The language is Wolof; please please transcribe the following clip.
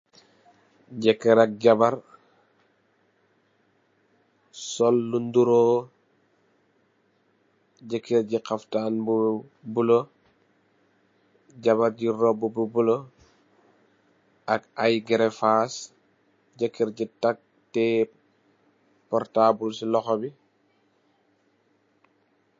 Jekerr ak jabarr sol lu nuroo jekerr gi halftan bu blue jabarr gi robu bu blue ak i gereh fass jekerr gi tak teyeh portabul sey loho bi.